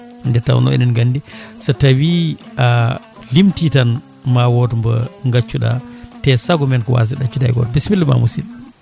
nde tawno eɗen gandi so tawi a limti tan ma wood mo gaccuɗa te saago men ko wasde ɗaccude hay goto bisimillama musidɗo